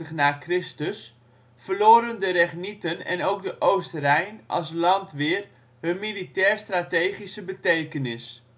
na Chr., verloren de regnieten en ook de Oost-Rijn als landweer hun militair-strategische betekenis